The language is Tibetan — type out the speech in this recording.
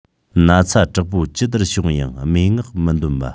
ན ཚ དྲག པོ ཇི ལྟར བྱུང ཡང སྨྲེ སྔགས མི འདོན པ